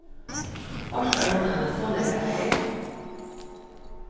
orkar hon eina so langa ferð